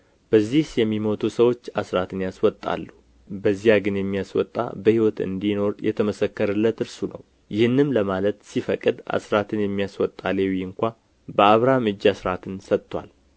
በዚህስ የሚሞቱ ሰዎች አሥራትን ያስወጣሉ በዚያ ግን የሚያስወጣ በሕይወት እንዲኖር የተመሰከረለት እርሱ ነው ይህንም ለማለት ሲፈቀድ አሥራትን የሚያስወጣ ሌዊ እንኳ በአብርሃም እጅ አሥራትን ሰጥቶአል